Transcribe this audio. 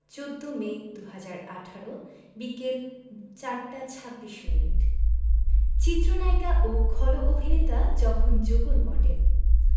১৪মে ২০১৮ বিকেল ৪টা ২৬ মিনিট চিত্রনায়িকা ও খল অভিনেতা যখন যুগল মডেল